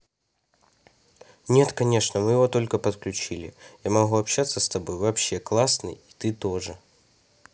нет конечно мы его только подключили я могу общаться с тобой вообще классный и ты тоже